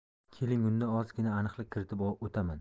keling unda ozgina aniqlik kiritib o'taman